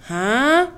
H